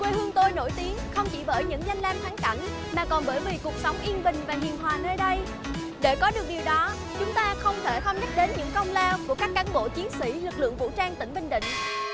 quê hương tôi nổi tiếng không chỉ bởi những danh lam thắng cảnh mà còn bởi vì cuộc sống yên bình và hiền hòa nơi đây để có được điều đó chúng ta không thể không nhắc đến những công lao của các cán bộ chiến sĩ lực lượng vũ trang tỉnh bình định